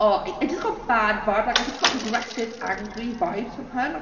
"Oh, I I just got bad vibe like I just got aggressive, angry vibes from her like..."